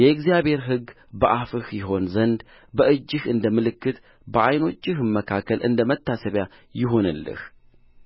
የእግዚአብሔር ሕግ በአፍህ ይሆን ዘንድ በእጅህ እንደ ምልክት በዓይኖችህም መካከል እንደ መታሰቢያ ይሁንልህ